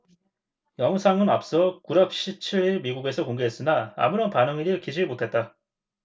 영상은 앞서 구랍 십 칠 일 미국에서 공개했으나 아무런 반응을 일으키지 못했다